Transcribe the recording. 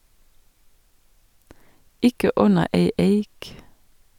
Ikke under ei eik.